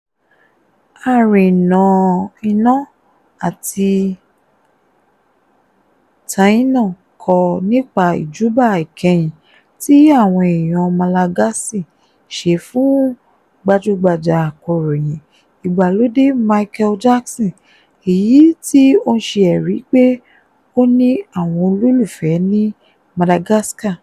Ariniaina àti Tahina kọ nípa ìjúbà ìkẹyìn tí àwọn èèyàn Malagasy ṣe fún gbajúgbajà akọrin ìgbàlódé Michael Jackson, èyí tí ó ń ṣe ẹ̀rí pé ó ní àwọn olólùfẹ́ ní Madagascar.